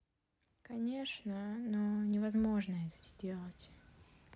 конечно но невозможно это сделать